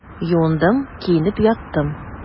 Юындым, киенеп яттым.